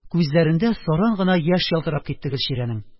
Күзләрендә саран гына яшь ялтырап китте Гөлчирәнең